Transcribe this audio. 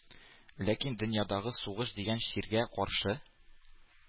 Ләкин дөньядагы сугыш дигән чиргә каршы